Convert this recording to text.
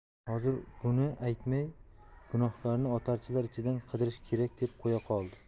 hozir buni aytmay gunohkorni otarchilar ichidan qidirish kerak deb qo'ya qoldi